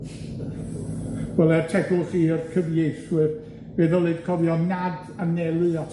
Wel er tegwch i'r cyfieithwyr, fe ddylid cofio nad anelu at